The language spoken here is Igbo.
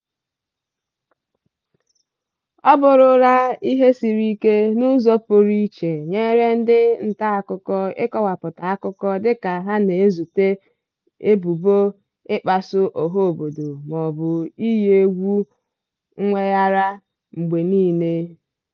Ọ bụrụla ihe siri ike n'ụzọ pụrụ iche nyere ndị ntaakụkọ, ịkọwapụta akụkọ, dịka ha na-ezute ebubo "ịkpasu ọha obodo" maọbụ "iyi egwu mweghara" mgbe niile.